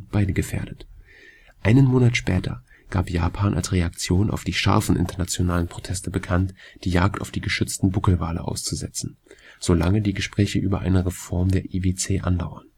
beide gefährdet). Einen Monat später gab Japan als Reaktion auf die scharfen internationalen Proteste bekannt, die Jagd auf die geschützten Buckelwale auszusetzen, solange die Gespräche über eine Reform der IWC andauern